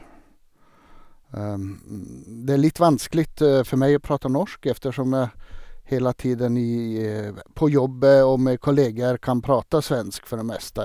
Det er litt vanskelig for meg å prate norsk ettersom jeg hele tiden i ve på jobben og med kolleger kan prate svensk for det meste.